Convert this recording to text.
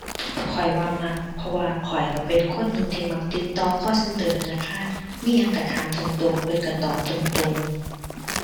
ข้อยว่ามัก เพราะว่าข้อยก็เป็นคนหนึ่งที่มักติดต่อ call center ธนาคาร มีหยังก็ถามตรงตรงเพิ่นก็ตอบตรงตรง